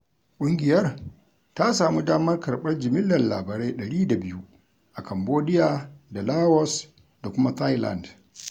ƙungiyar ta sami damar karɓar jimillar labarai 102 a Cambodiyo da Laos da kuma Thailand.